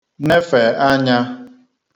nefè anyā